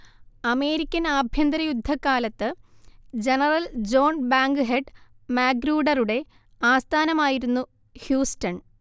American ആഭ്യന്തരയുദ്ധകാലത്ത് general John Bankhead മാഗ്രൂഡറുടെ ആസ്ഥാനമായിരുന്നു ഹ്യൂസ്റ്റൺ